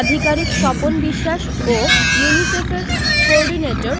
আধিকারিক স্বপন বিশ্বাস ও ইউনিসেফের কোর্ডিনেটর